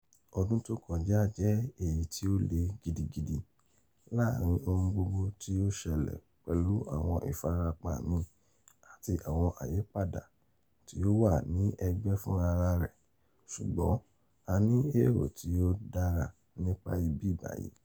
Ọdún tó kọjá jẹ́ èyí tí ó le gidigidi, láàrin ohun gbogbo tí ó ṣẹlẹ̀ pẹ̀lú àwọn ìfarapa mi àti àwọn àyípadà tí ó wà ní ẹgbẹ́ fúnrararẹ̀ ṣùgbọ́n a ní èrò tí ó dára nípa ibi báyìí.